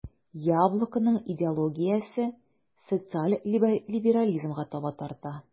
"яблоко"ның идеологиясе социаль либерализмга таба тарта.